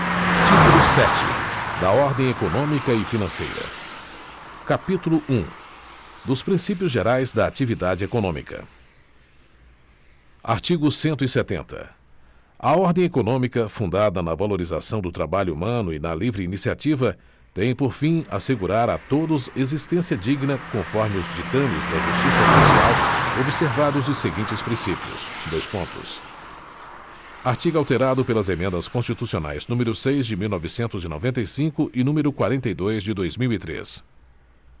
título sete da ordem econômica e financeira capítulo um dos princípios gerais da atividade econômica artigo cento e setenta a ordem econômica fundada na valorização do trabalho humano e na livre iniciativa tem por fim assegurar a todos existência digna conforme os ditames da justiça social observados os seguintes princípios dois pontos artigo alterado pelas emendas constitucionais número seis de mil novecentos e noventa e cinco e número quarenta e dois de dois mil e três